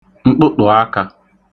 ntụtụ̀akā